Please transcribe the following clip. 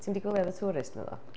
Ti'm 'di gwylio The Tourist naddo?